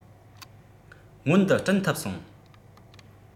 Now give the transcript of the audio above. མངོན དུ བྲིན ཐུབ སོང